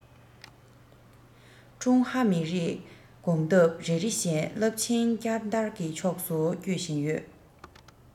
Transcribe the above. ཀྲུང ཧྭ མི རིགས གོམ སྟབས རེ རེ བཞིན རླབས ཆེན བསྐྱར དར གྱི ཕྱོགས སུ སྐྱོད བཞིན ཡོད